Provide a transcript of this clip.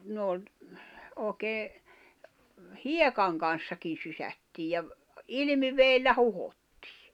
noin oikein hiekan kanssakin sysättiin ja - ilmivedellä huuhdottiin